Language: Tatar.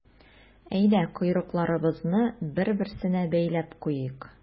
Әйдә, койрыкларыбызны бер-берсенә бәйләп куйыйк.